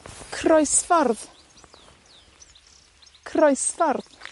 Croesffordd. Croesffordd.